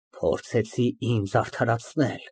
Դու ինձ բոլորովին շփոթեցրիր։ Որտե՞ղ են այժմ այդ գրավոր ապացույցները։